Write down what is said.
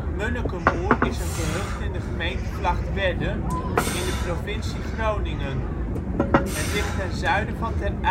Munnekemoer is een gehucht in de gemeente Vlagtwedde in de provincie Groningen. Het ligt ten zuiden van Ter Apel aan het Ter Apelkanaal